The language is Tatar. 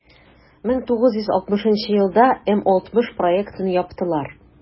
1960 елда м-60 проектын яптылар.